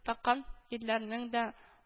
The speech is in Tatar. Таккан ирләрнең дә